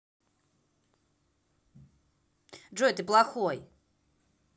джой ты плохой